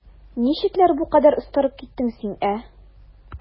Ничекләр бу кадәр остарып киттең син, ә?